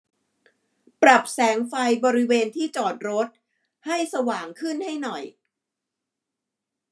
ปรับแสงไฟบริเวณที่จอดรถให้สว่างขึ้นให้หน่อย